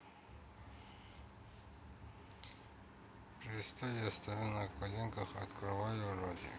представь я стою на коленках открываю ротик